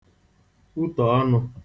kwutọ̀ ọnụ̄